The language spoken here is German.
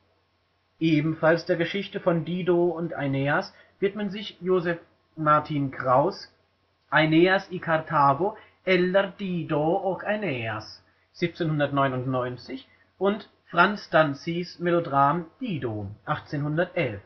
Ebenfalls der Geschichte von Dido und Aeneas widmen sich Joseph Martin Kraus’ Aeneas i Cartago eller Dido och Aeneas (1799) und Franz Danzis Melodram Dido (1811